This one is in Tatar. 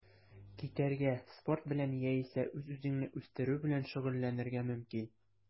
Китәргә, спорт белән яисә үз-үзеңне үстерү белән шөгыльләнергә мөмкин.